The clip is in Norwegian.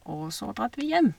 Og så dratt vi hjem.